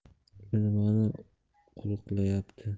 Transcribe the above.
u nimani qo'riqlayapti